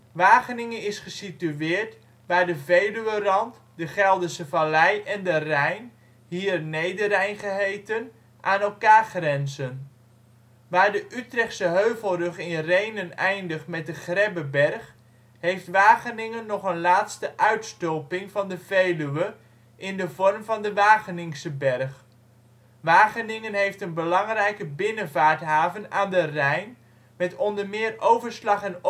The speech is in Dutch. Wageningen is gesitueerd waar de Veluwerand, de Gelderse Vallei en de Rijn (hier Nederrijn geheten) aan elkaar grenzen. Waar de Utrechtse Heuvelrug in Rhenen eindigt met de Grebbeberg, heeft Wageningen nog een laatste uitstulping van de Veluwe in de vorm van de Wageningse Berg. Wageningen heeft een belangrijke binnenvaarthaven aan de Rijn, met onder meer overslag - en